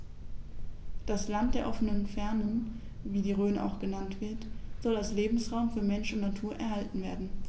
Das „Land der offenen Fernen“, wie die Rhön auch genannt wird, soll als Lebensraum für Mensch und Natur erhalten werden.